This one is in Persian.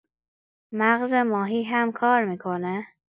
مغز ماهی هم کار می‌کنه؟